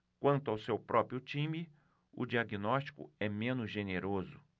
quanto ao seu próprio time o diagnóstico é menos generoso